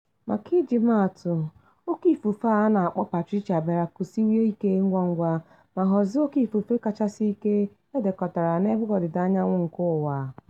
Maka ịji maa atụ, Óké Ifufe a na-akpọ Patricia bịara kusiwa ike ngwa ngwa ma ghọzie óké ifufe kachasị ike e ndekọtara n'Ebe Ọdịda Anyanwụ nke Uwa.